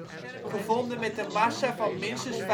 gevonden met een massa van minstens